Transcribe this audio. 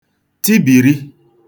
tibìri